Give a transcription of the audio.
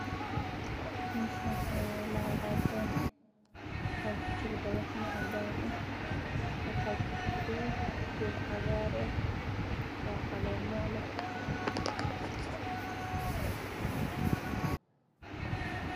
Waxaa ii muuqda zakal uu ku jiro dheg ahaan midabkooda yahay cadaan waxaa suran geed midabkiisu yahay cagaar dhulka waa madow